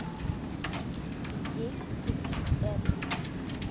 здесь тупить это